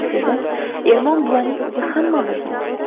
aslida ermon buvaning uyi hammamizniki